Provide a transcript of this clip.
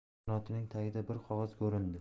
qanotining tagida bir qog'oz ko'rindi